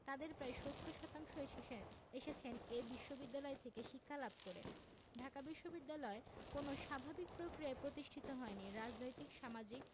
তাঁদের প্রায় ৭০ শতাংশ এসেছে এসেছেন এ বিশ্ববিদ্যালয় থেকে শিক্ষালাভ করে ঢাকা বিশ্ববিদ্যালয় কোনো স্বাভাবিক প্রক্রিয়ায় প্রতিষ্ঠিত হয়নি রাজনৈতিক সামাজিক